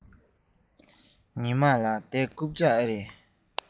ཉི མ ལགས འདི རྐུབ བཀྱག རེད པས